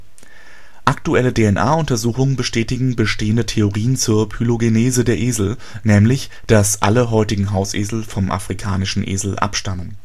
Aktuelle DNA - Untersuchungen bestätigen bestehende Theorien zur Phylogenese der Esel, dass alle heutigen Hausesel vom Afrikanischen Esel abstammen